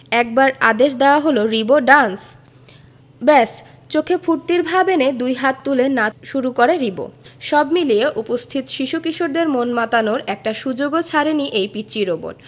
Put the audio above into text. একবার আদেশ দেওয়া হলো রিবো ড্যান্স ব্যাস চোখে ফূর্তির ভাব এনে দুই হাত তুলে নাচ শুরু করে রিবো সব মিলিয়ে উপস্থিত শিশু কিশোরদের মন মাতানোর একটি সুযোগও ছাড়েনি এই পিচ্চি রোবট